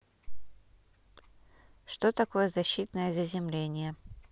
что такое защитное заземление